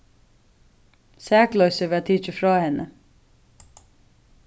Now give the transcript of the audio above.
sakloysið varð tikið frá henni